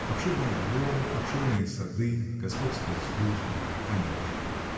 Обширный двор, обширные сады, господские службы, конюшни.